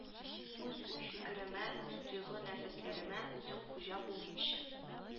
Үз уй-фикеремә үз тойгы-нәфесләремә үзем хуҗа булмыйчы